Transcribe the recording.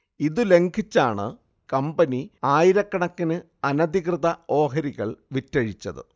ഇതു ലംഘിച്ചാണ് കമ്പനി ആയിരക്കണക്കിന് അനധികൃത ഓഹരികൾ വിറ്റഴിച്ചത്